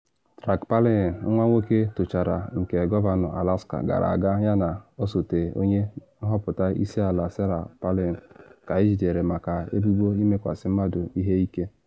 Track Palin, nwa nwoke tọchara nke gọvanọ Alaska gara aga yana osote onye nhọpụta isi ala Sarah Palin, ka ejidere maka ebubo ịmekwasị mmadụ ihe ike.